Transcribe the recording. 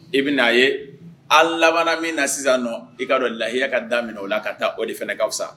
I bɛna' a ye an laban min na sisan nɔ i'a dɔn lahiya ka da minɛ o la ka taa o de fanakaw sa